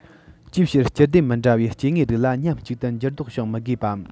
ཅིའི ཕྱིར སྤྱི སྡེ མི འདྲ བའི སྐྱེ དངོས རིགས ལ མཉམ གཅིག ཏུ འགྱུར ལྡོག བྱུང མི དགོས པའམ